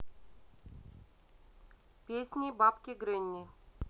песни бабки гренни